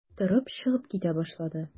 Торып чыгып китә башлады.